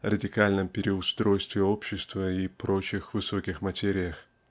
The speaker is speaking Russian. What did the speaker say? радикальном переустройстве общества и прочих высоких материях.